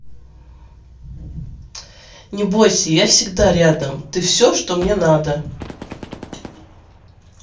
не бойся я всегда рядом ты все что мне надо